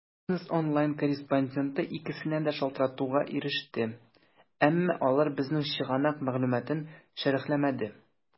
"бизнес online" корреспонденты икесенә дә шалтыратуга иреште, әмма алар безнең чыганак мәгълүматын шәрехләмәде.